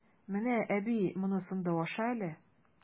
Менә, әби, монсын да аша әле!